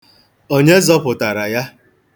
Onye zọpụtara ya?